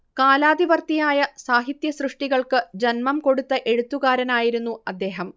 കാലാതിവർത്തിയായ സാഹിത്യ സൃഷ്ടികൾക്ക് ജന്മം കൊടുത്ത എഴുത്തുകാരനായിരുന്നു അദ്ദേഹം